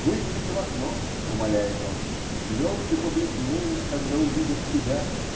"Выгляни в окно", умоляет он, "звезды побледнеют, когда увидят тебя".